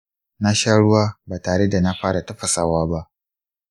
nasha ruwa ba tareda na fara tafasawa ba.